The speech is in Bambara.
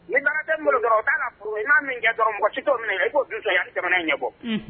Ni ka i'a min kɛ mɔgɔ si min ko jamana ɲɛ bɔ